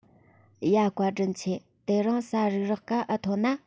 ཡ བཀའ དྲིན ཆེ དེ རིང ས རུག རེག ག ཨེ ཐོན ན